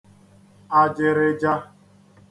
ajịrịja